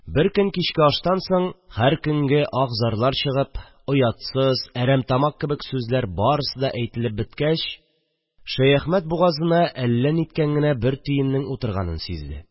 Бер көн кичке аштан соң, һәр көнге аһ-зарлар чыгып, «оятсыз», «әрәмтамак» кебек сүзләр барысы да әйтелеп беткәч, Шәяхмәт бугазына әллә ниткән генә бер төеннең утырганын сизде